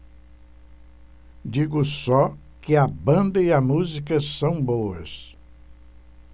digo só que a banda e a música são boas